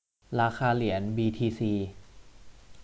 ราคาเหรียญบีทีซี